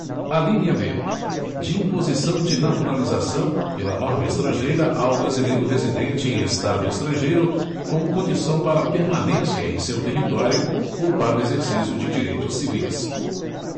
alínea b de imposição de naturalização pela norma estrangeira ao brasileiro residente em estado estrangeiro como condição para permanência em seu território ou para o exercício de direitos civis